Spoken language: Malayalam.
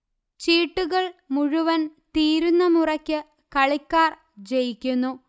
ചീട്ടുകൾ മുഴുവൻ തീരുന്ന മുറയ്ക്ക് കളിക്കാർ ജയിക്കുന്നു